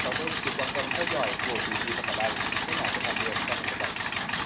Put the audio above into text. cảm ơn sự quan tâm theo dõi của quý vị và các bạn tất cả cho tạm biệt và hẹn gặp lại